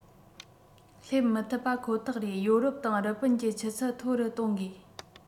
སླེབས མི ཐུབ པ ཁོ ཐག རེད ཡོ རོབ དང རི པིན གྱི ཆུ ཚད མཐོ རུ གཏོང དགོས